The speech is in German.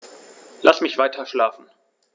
Lass mich weiterschlafen.